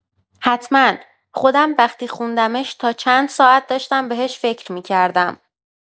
حتما، خودم وقتی خوندمش تا چند ساعت داشتم بهش فکر می‌کردم.